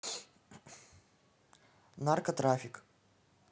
нарко трафик